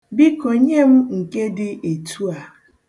Biko, nye m nke dị etu a.